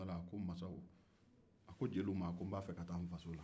a ko jeliw ma ko n b'a fɛ ka taa n faso la